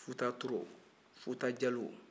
futa toro futa jalɔn